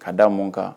Ka dia mun kan